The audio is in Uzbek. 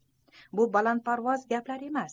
bu balandparvoz gaplar emas